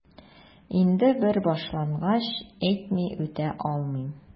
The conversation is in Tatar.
Инде бер башлангач, әйтми үтә алмыйм...